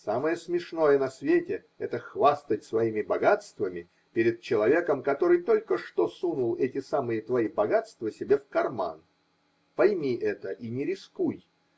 Самое смешное на свете -- это хвастать своими богатствами перед человеком, который только что сунул эти самые твои богатства себе в карман пойми это -- и не рискуй.